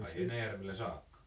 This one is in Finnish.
ai Enäjärvelle saakka